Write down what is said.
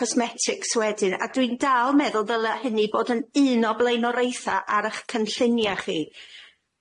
cosmetics wedyn a dwi'n dal meddwl ddyla hynny bod yn un o bleunoriaetha ar 'ych cynllunia' chi.